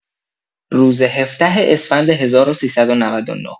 روز ۱۷ اسفند ۱۳۹۹